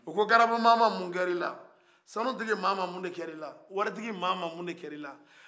u ko grabamama mun kɛra i la sanu tigi mama mun den kɛra i la wari tigi mama mun den kɛra i la